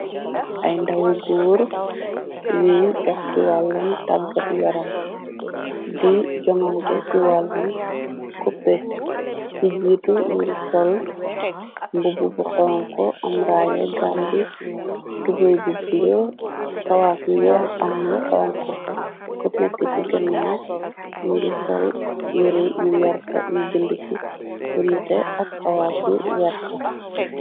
ay ndawu guur yuy gax siwalan taggat yaram di joŋante siwalan coppe ki jiitu nilu sol bubu bu xonko am raaye gambi tubey bu bule kawasi yeex amulu xonko ko nekk ci ganna milu sol ëri yu werke ni bind ci binnte ak kawasi werke